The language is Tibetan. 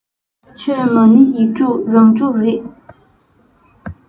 ཆོས མ ཎི ཡིག དྲུག རང གྲུབ རེད